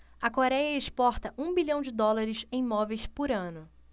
a coréia exporta um bilhão de dólares em móveis por ano